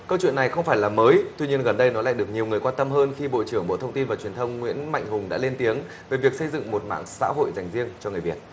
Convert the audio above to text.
câu chuyện này không phải là mới tuy nhiên gần đây nó lại được nhiều người quan tâm hơn khi bộ trưởng bộ thông tin và truyền thông nguyễn mạnh hùng đã lên tiếng về việc xây dựng một mạng xã hội dành riêng cho người việt